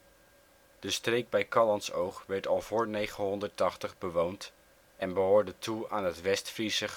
streek bij Callantsoog werd al voor 980 bewoond en behoorde toe aan het Westfriese